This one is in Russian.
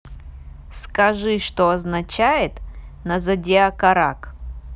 скажи что означает на зодиакарак